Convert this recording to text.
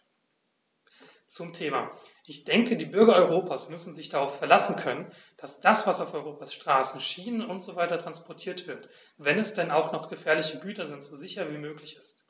Zum Thema: Ich denke, die Bürger Europas müssen sich darauf verlassen können, dass das, was auf Europas Straßen, Schienen usw. transportiert wird, wenn es denn auch noch gefährliche Güter sind, so sicher wie möglich ist.